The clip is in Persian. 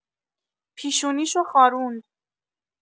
پیشونیش رو خاروند